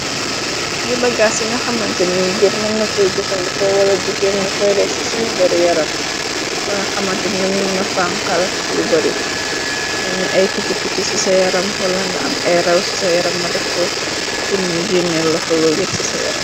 Ay baggaas ci nga xamante ni goor munna koy jëfandiko wala jegeen nukoy def ci sunu dari yaram ba nga xamante dinnanu mu na fanxal lu bari melni ay picc picc ci sa yaram wala nga a ay rew ci sa yaram nga def ko pur mu ginnee laxolu yepp ci sa yaram.